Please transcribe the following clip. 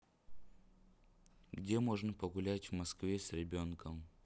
где можно погулять в москве с ребенком